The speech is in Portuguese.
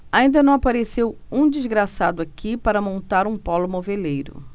ainda não apareceu um desgraçado aqui para montar um pólo moveleiro